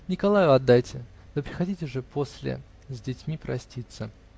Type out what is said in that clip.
-- Николаю отдайте, да приходите же после с детьми проститься.